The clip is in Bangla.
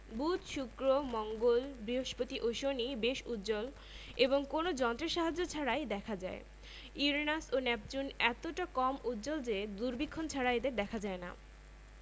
নয় নয় এক্সপনেনশিয়াল ১৩ কিলোগ্রাম এটি সৌরজগতের সবচেয়ে গুরুত্বপূর্ণ জোতিষ্ক সূর্যের সঙ্গে আমাদের সম্পর্ক অতি ঘনিষ্ট